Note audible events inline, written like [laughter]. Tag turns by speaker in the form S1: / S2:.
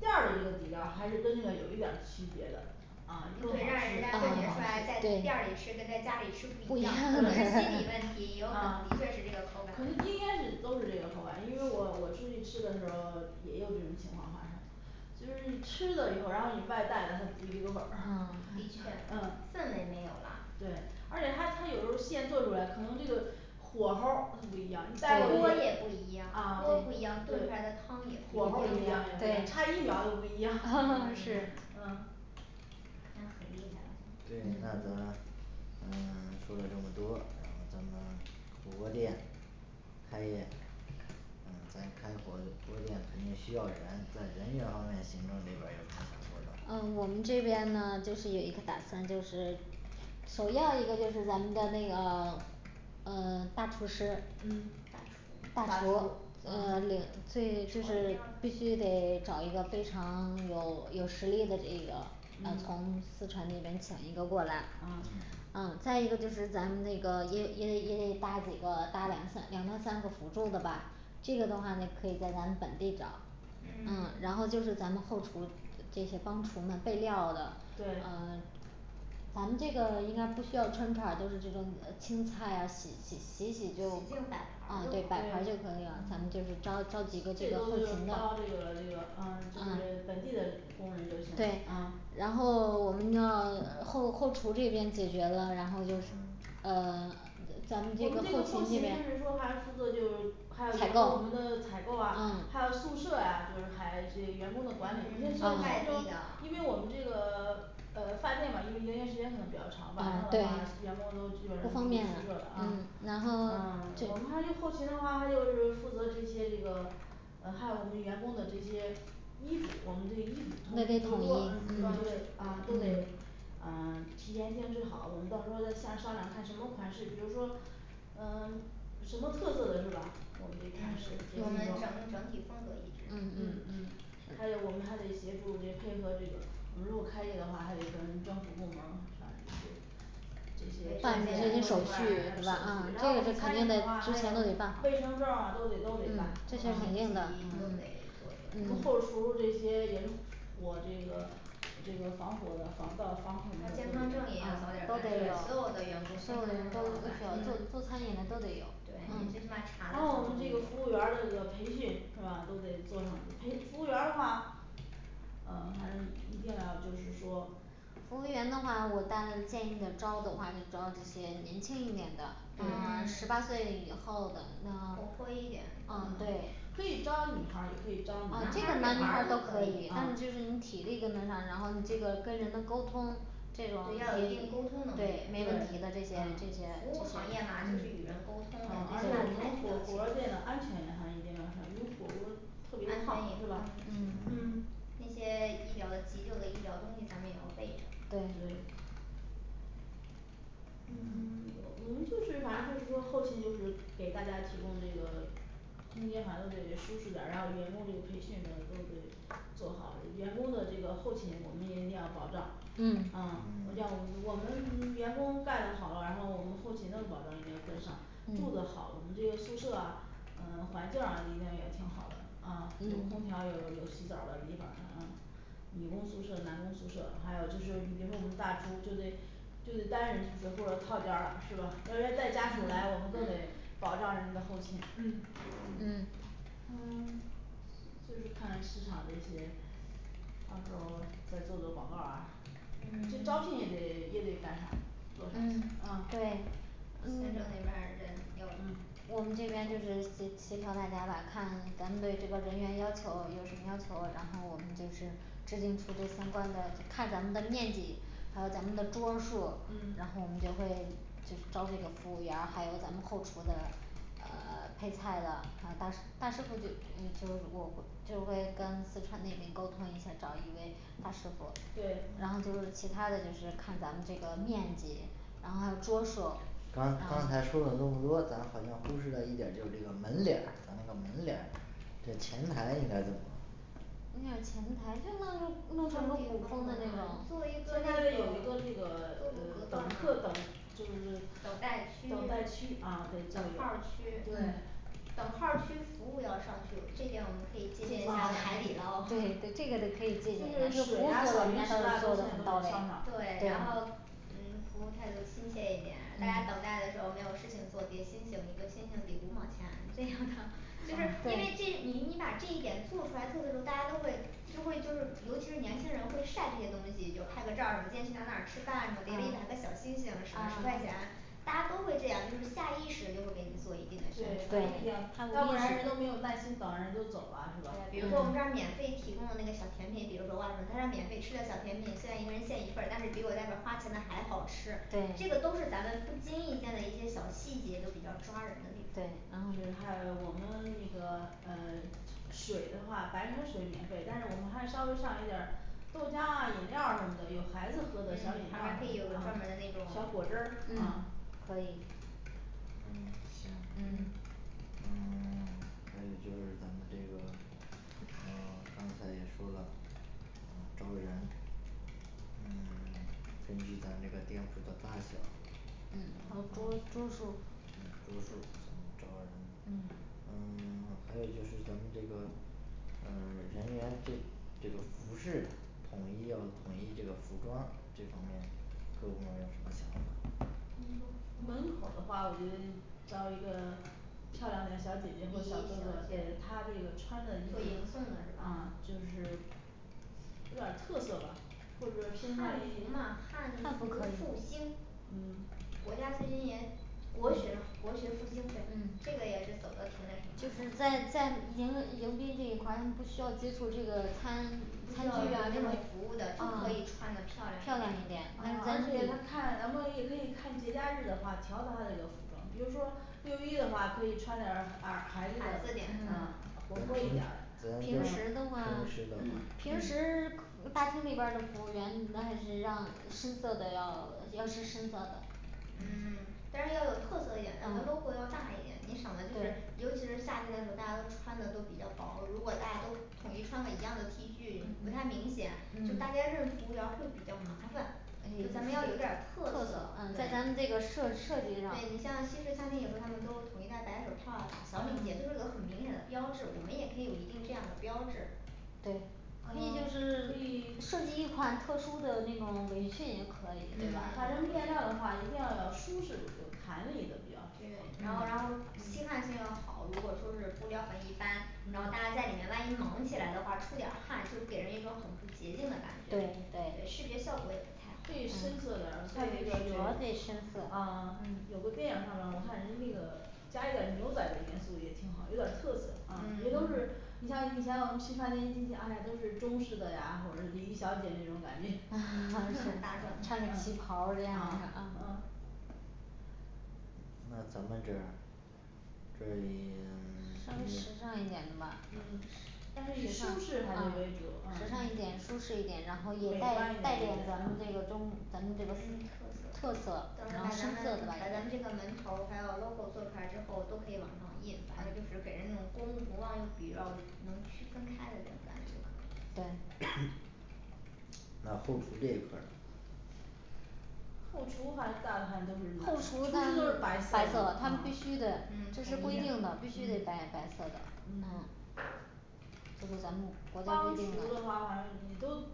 S1: 店儿里的这个底料儿还是跟那个有一点儿区别的啊更好
S2: 对让人家感
S3: 啊
S2: 觉出来在
S1: 吃
S2: 这
S1: 更好吃
S3: 对
S2: 店儿里吃跟在家里吃
S3: 不
S2: 不
S3: 一
S2: 一
S3: 样
S2: 样
S1: 对，
S2: 可能是心
S1: 啊
S2: 理问
S3: [noise]
S2: 题，有可
S1: 啊
S2: 能的确是口感
S1: 可能
S2: 问题
S1: 应该是都是这个口感因为我我出去吃的时候儿也有这种情况发生就是你吃的以后，然后你外带的它不一个味儿 [crosstalk]
S2: 啊的确
S1: 嗯
S2: 氛围没有了
S1: 对而且它它有时候儿现做出来可能这个火候儿不一样你耽误一
S2: 锅
S1: 会儿
S2: 儿
S1: 啊对
S2: 也，
S1: 火候儿
S2: 不
S1: 不一样
S2: 一样，锅儿
S1: 啊
S2: 不一样，炖出来的
S1: 对
S2: 汤也不一样对
S1: 差一秒都不一样
S2: [noise]
S1: [noise]
S2: 是
S1: 嗯
S2: 很很厉害了
S4: 对那咱嗯 [silence] 说了这么多那咱们火锅店开业，嗯咱开火火锅店肯定需要人在人员方面行政这边儿有什么想说的
S3: 啊我们这边儿呢就是有一个打算就是首要一个就是咱们的那个呃大厨师
S1: 嗯
S3: 大厨
S1: 大
S3: 大
S1: 厨
S3: 厨
S1: 啊
S3: 呃领所以就
S2: 炒
S3: 是
S2: 一
S3: 必须得找一个非常有有实力的这个那
S1: 嗯
S3: 从四川那边请一个过来
S1: 啊
S4: 嗯
S3: 啊再一个就是咱们那个也也得也得搭几个搭两三两到三个辅助的吧这个的话那可以在咱们本地找
S2: 嗯
S3: 啊
S2: [silence]
S3: 然后就是咱们后厨这些帮厨们备料的
S1: 对
S3: 呃咱们这个应该不需要穿串儿，都是这种呃清菜呀洗洗洗洗
S2: 洗净
S3: 就啊对
S2: 摆盘
S3: 摆
S2: 儿
S3: 盘儿
S2: 了
S1: 对
S3: 就
S2: 就好了
S3: 可以了咱们就是招招几个
S1: 对最多就是帮这个这个啊就是
S3: 啊
S1: 本地的工人就行了
S3: 对
S1: 啊
S3: 然后我们一定要后后厨这边解决了，然后就是呃呃咱
S1: 我们
S3: 们这
S1: 这个
S3: 个后
S1: 后
S3: 勤
S1: 勤
S3: 这边
S1: 就是说还是负责就还有
S3: 采
S1: 严格我
S3: 购
S1: 们
S3: 嗯
S1: 的采购啊，这个 [silence]
S3: 嗯
S1: 还有宿舍呀就是还这员工
S3: 嗯
S1: 的管理，你就
S3: 嗯像外地的
S1: 因为我们呃饭店嘛因为营业时间可能比较长，晚
S3: 啊
S1: 上的
S3: 对
S1: 话员工都基本
S3: 不
S1: 上住
S3: 方便
S1: 宿舍了
S3: 嗯
S1: 啊
S2: 嗯
S3: 然后
S1: 嗯
S3: [silence] 对
S1: 我们还有后勤的话，他就是负责这些这个呃还有我们员工的这些衣服，我们这衣服从来没做过只要这个就是啊都得啊 [silence] 提前定制好，我们到时候儿再下商量看什么款式比如说呃 [silence] 什么特色的是吧我们这
S2: 嗯
S1: 款式这
S2: 我们整
S1: 服装
S2: 整体风格一致
S3: 嗯
S1: 嗯嗯还有我们还得协助这配合这个如果开业的话还得跟政府部门反正这些这些手续然后我
S3: 这
S1: 们
S3: 是肯
S1: 餐
S3: 定
S1: 饮的
S3: 的
S1: 话还有卫生证儿都得都得办
S2: 啊都得
S1: 嗯我们
S2: 做
S1: 后厨这些也是我这个呃这个防火的防盗防恐的
S2: 健康
S1: 都
S2: 证儿也要早
S1: 有
S2: 点儿办
S1: 对
S2: 所有的员工所有的人都要办出
S3: 做
S2: 来
S1: 嗯
S3: 做餐饮的都得有
S2: 对你最起码查
S1: 然
S2: 的时
S1: 后我们这个
S2: 候
S1: 服务员儿的这个培训是吧都得做上去培服务员儿的话呃反正一一定要就是说
S3: 服务员的话，我带建议的招的话，你招那些年轻一点的
S1: 对
S3: 啊
S2: 嗯
S3: 十八岁以后的啊
S2: 活泼一点
S3: 啊
S2: 的
S1: 嗯
S3: 对
S1: 可以招女孩儿也可以招男
S3: 男孩
S2: 男孩
S1: 孩儿啊
S3: 儿
S2: 儿
S3: 女
S2: 女
S3: 孩
S2: 孩
S3: 儿
S2: 儿
S3: 都
S2: 都
S3: 可
S2: 可
S3: 以，
S2: 以
S3: 但是
S1: 啊
S3: 就是你体力跟得上，然后就这个跟人的沟通这
S2: 得
S3: 种
S2: 要一定沟通能力
S3: 对没问
S1: 对
S3: 题的这些这些
S2: 服务行业嘛就是与人沟通
S1: 嗯而且我们火火锅儿店的安全上一定要少因为火锅特
S2: 安
S1: 别
S2: 全隐
S1: 烫是
S2: 患
S1: 吧
S2: 嗯
S1: 嗯
S2: 那些医疗的急救的医疗东西咱们也要备着
S3: 对
S1: 对嗯 [silence] 我我们就是反正就是说后勤就是给大家提供这个空间好像都得舒适点儿然后员工这个培训都要都得做好，呃员工的这个后勤我们也一定要保障。
S2: 嗯
S1: 啊我要我们员工干的好了然后我们后勤的保障一定要跟上
S2: 嗯
S1: 住的好，我们这个宿舍啊啊环境啊一定也挺好的，啊有
S3: 对
S1: 空调，有有洗澡儿的地方儿啊女工宿舍、男工宿舍，还有就是你比如说我们的大都就得就得单人宿舍或者套间儿了是吧要带带家属来，我们更得保障人的后勤
S2: 嗯
S3: 嗯
S2: 嗯 [silence]
S1: 就是看市场这些到时候再做做广告儿啊这
S2: 嗯
S1: 招聘也得也得干啥做
S2: 嗯
S1: 上去啊
S2: 对行政
S3: 嗯
S2: 那边人要
S1: 嗯
S3: 我们这边就是协协调大家吧看咱们的这个人员要求有什么要求然后我们就是制定出这相关的，看咱们的面积还有咱们的桌数，
S1: 嗯
S3: 然后我们就会就是招那个服务员儿，还有咱们后厨的呃配菜的，然后大大师傅就呃就我会就会跟四川那边沟通一下找一位大师傅
S1: 对
S3: 然后就其他的就是看咱们这个面积，然后还有桌数儿
S4: 刚刚
S3: 啊
S4: 才说了那么多，咱好像忽视了一点儿，就是这个门脸儿咱们这个门脸儿，这前台应该怎么
S3: 你讲前台就弄个弄成个普通的那种
S2: 做一
S1: 前
S2: 个
S1: 台
S2: 那
S1: 那
S2: 个
S1: 有一
S2: 做
S1: 个这个呃等
S2: 个隔断的
S1: 客等就是
S2: 等待区
S1: 等待区啊对这
S2: 等
S1: 个
S2: 号儿区
S1: 对
S2: 等号儿区服务要上去这点儿我们可以借鉴一下
S1: 啊
S2: 海底
S1: [noise]
S2: 捞
S3: 对这个可以借
S1: 就是水
S3: 鉴
S1: 啊小零食啊都先都得上
S2: 对然后
S1: 上
S2: 嗯服务态度亲切一点，大家等待的时候没有事情做叠星星一个星星顶五毛钱这样的 [noise] 就
S1: 啊
S2: 是因为
S1: 对
S2: 这你你把这一点做出来特色大家都会就会就是尤其是年轻人会晒这些东西，就拍个照儿就今天去哪儿哪儿吃饭叠了一百
S1: 啊
S2: 个小星星省了十块
S1: 啊
S2: 钱大家都会这样就是下意识就会给你做一定的宣
S1: 对
S2: 传
S1: 要不然人儿都没有耐心等人都走了是吧
S2: 对比如说我们这儿免费提供那个小甜品比如说哇在这免费吃的小甜品虽然一个人限一份儿但是比我在那边儿花钱的还好吃，
S3: 对
S2: 这个都是咱们不经意间的一些小细节，就比较抓人的地方
S3: 对
S2: 然后
S1: 是还有我们那个呃水的话白开水免费，但是我们还稍微上一点儿豆浆啊饮料儿什么的，有孩子
S2: 嗯
S1: 喝
S2: 旁
S1: 的小饮料
S2: 边儿可以有个
S1: 儿
S2: 专门儿的那种
S1: 啊小果汁儿
S2: 嗯
S1: 啊
S3: 可以
S4: 行
S1: 嗯
S4: 呃 [silence] 还有就是咱们这个呃 [silence] 刚才也说了呃招人嗯 [silence] 根据咱这个店铺的大小
S3: 嗯还有桌桌数儿
S4: 嗯桌数嗯招人嗯嗯 [silence] 还有就是咱们这个呃人员这这个服饰统一要统一这个服装这方面各部门儿有什么想法
S1: 嗯就门口儿的话我觉得招一个漂亮点小姐姐或
S2: 礼
S1: 小哥
S2: 仪
S1: 哥
S2: 小
S1: 给
S2: 姐
S1: 他
S2: 姐
S1: 这个穿的
S2: 会
S1: 衣服啊就是
S2: 迎送的是吧
S1: 有点儿特色吧或者说身上
S2: 汉服嘛
S3: 汉
S2: 汉
S3: 服
S2: 服
S3: 可
S2: 复
S3: 以
S2: 兴
S1: 嗯
S2: 国家最近也国学嘛国学复兴
S3: 嗯
S2: 这个也是走的
S3: 就
S2: 挺
S3: 是
S2: 那什么
S3: 在在迎迎宾这一块儿他们不需要接触这个餐
S2: 不需要接触那
S3: 不需要
S2: 种服务的都
S3: 啊
S2: 可以穿的漂亮一点
S1: 而且他看呃梦遗也可以看节假日的话调她这个服装比如说六一的话可以穿点儿儿孩子
S2: 孩
S1: 点儿
S2: 子点嗯
S1: 嗯活泼一点儿嘞
S2: 平时的
S4: 平时平时的
S2: 话
S1: 呃 [hesitation]
S4: 话
S2: 平
S1: 嗯
S2: 时 [silence] 呃大厅这边儿的服务员那还是让深色的要，要是深色的嗯 [silence] 但是要有特色一点儿让他logo要大一点儿你省的就是
S1: 对
S2: 尤其是夏天的时候，大家都穿的都比较薄如果大家都统一穿的一样的T恤不太明显，就
S1: 嗯
S2: 大家认服务员儿会比较麻烦就咱们要有点儿特
S3: 特色
S2: 色，啊
S3: 啊
S2: 对
S3: 在咱们这个设设计
S2: 对
S3: 上
S2: 你像西式餐厅以后，他们都统一带白手套儿打小领结就是有个很明显的标志，我们也可以有一定这样的标志
S1: 对啊可
S3: 可以就是
S1: 以
S3: 设计一款特殊的那种围裙也可以对
S1: 嗯
S3: 吧
S1: 反正面料的话一定要舒适，有弹力的比较爽
S2: 对
S1: 嗯嗯
S2: 然后然后吸
S1: 嗯
S2: 汗性一定要好如果说是布料儿很一般然后
S1: 嗯
S2: 大家在里面万一忙起来的话出点儿汗就给人一种很不洁净的感觉
S3: 对
S2: 对视
S3: 对
S2: 觉效果也不太好嗯
S1: 可以深色点儿在这个就啊有个电影上面，我看人那个加一点儿牛仔的元素也挺好，有点儿特色
S2: 嗯
S1: 别都是你像以前我们去饭店一进去哎呀都是中式的呀，或者礼仪小姐那种感觉
S3: [noise] 那
S1: [noise]
S3: 很大众穿个旗袍儿
S1: 啊
S3: 这样的啊
S1: 嗯
S4: 那咱们这儿这以 [silence]
S3: 稍微时尚一点的吧
S1: 嗯但是以舒适还得为
S3: 时尚
S1: 主
S3: 啊
S1: 啊
S3: 时尚一点舒适一点，然后也
S1: 美
S3: 在带
S1: 观一
S3: 带点儿咱
S1: 点
S3: 们这个中咱们这个
S1: 嗯
S3: 特色
S1: 特色啊
S2: 等把咱们把咱们这个门头儿还有logo做出来之后都可以往上印，反正就是给人那种过目不忘又比较能区分开的那种感觉就可以
S3: 对
S4: [hesitation] 那后厨这一块儿
S1: 后厨还是大的反正都是
S2: 后
S1: 厨
S2: 厨
S1: 师都是白色
S3: 白
S1: 的
S3: 色他
S1: 啊
S3: 必须得
S2: 嗯
S3: 这是
S2: 统一
S3: 规
S2: 的
S3: 定的必须得白白色的嗯
S1: 嗯
S3: 就是咱们
S1: 帮厨的话反正也都